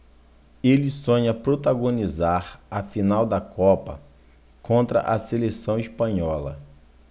ele sonha protagonizar a final da copa contra a seleção espanhola